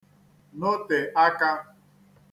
notè akā